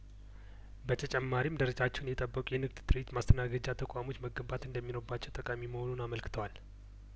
በተጨማሪም ደረጃቸውን የጠበቁ የንግድ ትርኢት ማስተናገጃ ተቋሞች መገንባት እንደሚኖርባቸው ጠቃሚ መሆኑን አመልክተዋል